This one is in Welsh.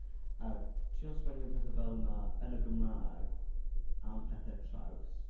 A, trio sgwennu am pethau fel 'na yn y Gymraeg, am pethau traws.